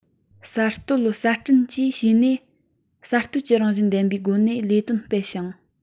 གསར གཏོད གསར སྐྲུན བཅས བྱས ནས གསར གཏོད ཀྱི རང བཞིན ལྡན པའི སྒོ ནས ལས དོན སྤེལ ཞིང